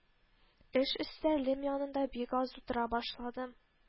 Эш өстәлем янында бик аз утыра башладым